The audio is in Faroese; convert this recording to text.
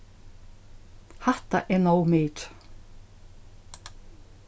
hatta er nóg mikið